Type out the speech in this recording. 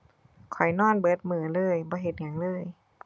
ข้อยนอนเบิดมื้อเลยบ่เฮ็ดหยังเลย